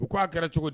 U k'a kɛra cogo di